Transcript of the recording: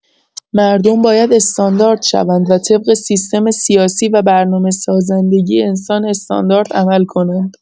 مردم باید استاندارد شوند و طبق سیستم سیاسی و برنامه سازندگی انسان استاندارد عمل کنند!